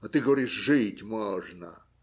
А ты говоришь, жить можно!